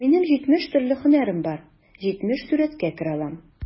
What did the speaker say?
Минем җитмеш төрле һөнәрем бар, җитмеш сурәткә керә алам...